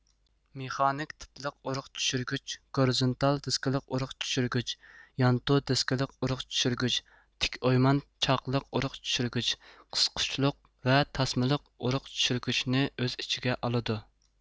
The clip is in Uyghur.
مېخانىك تىپلىق ئۇرۇق چۈشۈرگۈچ گورىزۇنتال دىسكىلىق ئۇرۇق چۈشۈرگۈچ يانتۇ دېسكىلىق ئۇرۇق چۈشۈرگۈچ تىك ئويمان چاقلىق ئۇرۇق چۈشۈرگۈچ قىسقۇچلۇق ۋە تاسمىلىق ئۇرۇق چۈشۈرگۈچنى ئۆز ئىچىگە ئالىدۇ